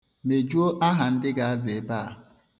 Mejuo aha ndị ga-aza ebe a.